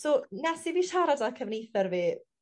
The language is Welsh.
So nes i fi siarad â cefnither fi